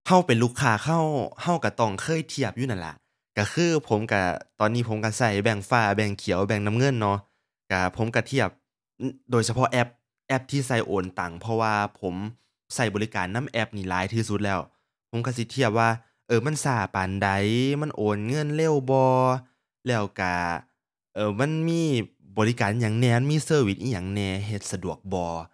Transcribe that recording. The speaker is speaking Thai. เราเป็นลูกค้า เรา เราเราต้องเคยเทียบอยู่นั่นล่ะ เราคือผมเรา ตอนนี้ผมเราเราแบงก์ฟ้า แบงก์เขียว แบงก์น้ำเงินน้อ เราผมเราเทียบ โดยเฉพาะแอป แอปที่เราโอนตังค์ เพราะว่าผมเราบริการนำแอปนี้หลายที่สุดแล้ว ผมเราสิเทียบว่า เออ มันเราปานใด มันโอนเงินเร็วบ่ แล้วเรา เออ มันมีบริการหยังแหน่ มันมีเซอร์วิสอิหยังแหน่ เฮ็ดสะดวกบ่